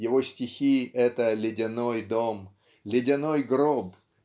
его стихи -- это ледяной дом ледяной гроб